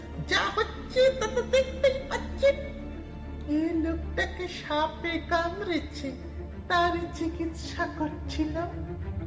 যা হচ্ছে তা তো দেখতেই পাচ্ছেন এই লোকটাকে সাপে কামড়েছে তার চিকিৎসা করছিলাম